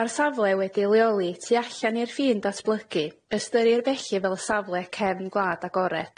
Ma'r safle wedi'i leoli tu allan i'r ffin datblygu. Ystyrir felly fel safle cefn gwlad agored.